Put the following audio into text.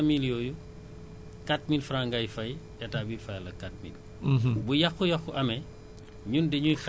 dama joxe misaala rekk donc cent mille yooyu quatre mille franc ngay fay Etat bi fayal la quatre mille